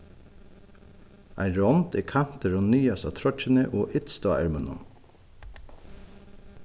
ein rond er kanturin niðast á troyggjuni og ytst á ermunum